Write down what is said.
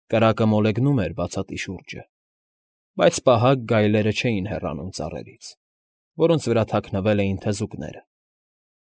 Կրակը մոլեգնում էր բացատի շուրջը։ Բայց պահակ գայլերը չէին հեռանում ծառերից, որոնց վրա թաքնվել էին թզուկները։